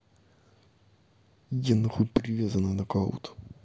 я нахуй привязана нокаут